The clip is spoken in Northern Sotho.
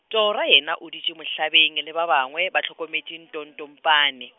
tora yena o dutše mohlabeng le ba bangwe, ba hlokometše ntotompane.